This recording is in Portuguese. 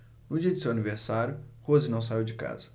no dia de seu aniversário rose não saiu de casa